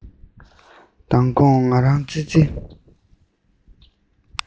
མདང དགོང ང རང ཙི ཙི